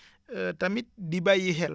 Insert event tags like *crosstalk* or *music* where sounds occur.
*hesitation* tamit di bàyyi xel